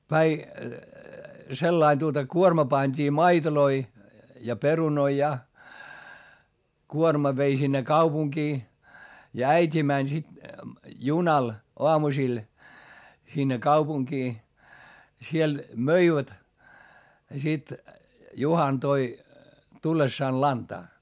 sellainen tuota kuorma pantiin maitoja ja perunoita ja kuorma vei sinne kaupunkiin ja äiti meni sitten junalla aamusilla sinne kaupunkiin ja siellä möivät ja sitten Juhana toi tullessaan lantaa